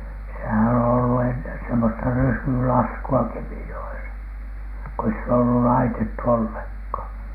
sehän on ollut ennen semmoista ryysylaskua Kemijoessa kun ei sitä ollut laitettu ollenkaan